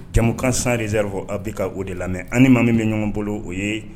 Jɛmukan sans reserve a' bɛ ka o de lamɛ, ani maa min bɛ ɲɔgɔn bolo o ye